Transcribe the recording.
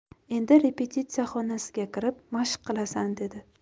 endi repetitsiya xonasiga kirib mashq qilasan dedi